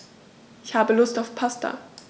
Ich habe Lust auf Pasta.